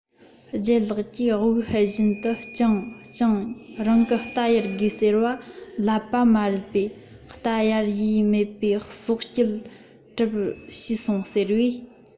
ལྗད ལགས ཀྱིས དབུགས ཧལ བཞིན དུ སྤྱང སྤྱང རང གིས རྟ གཡར དགོས ཟེར ལབ པ མ རེད པས རྟ གཡར ཡས མེད པའི སྲོག སྐྱེལ གྲབས བྱས སོང ཟེར བས